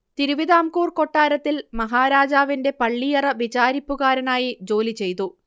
തിരുവിതാംകൂർ കൊട്ടാരത്തിൽ മഹാരാജാവിന്റെ പള്ളിയറ വിചാരിപ്പുകാരനായി ജോലി ചെയ്തു